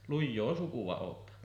lujaa sukua olette